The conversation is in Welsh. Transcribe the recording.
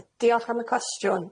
Diolch am y cwestiwn.